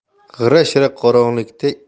g'ira shira qorong'ilikda